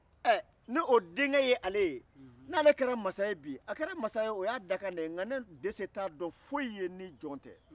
ɛ ni o denkɛ ye ale n'ale kɛra masa ye bi a kɛra masa ye o y'a dakan de ye nka ne dese t'a dɔn ni foyi ye ni jɔn tɛ